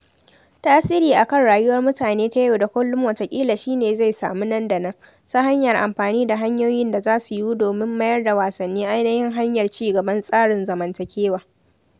Tasiri a kan rayuwar mutane ta yau da kullum wataƙila shi ne zai samu nan da nan, ta hanyar amfani da hanyoyin da za su yiwu domin mayar da wasanni ainihin hanayar ci gaban tsarin zamantakewa.